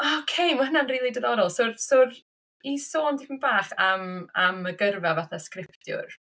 Ocê ma' hwnna'n rili diddorol so yr so yr... i sôn dipyn bach am am y gyrfa fatha scriptiwr.